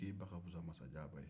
k'e ba ka fisa ni masajan ba ye